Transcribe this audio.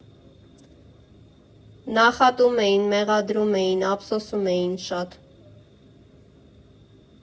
Նախատում էին, մեղադրում էին, ափսոսում էին շատ։